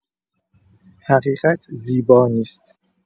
حقیقت زیبا نیست.